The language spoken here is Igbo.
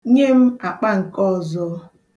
Nye m akpa nke ọzọ.